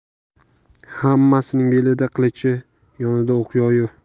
hammasining belida qilichi yonida o'q yoyi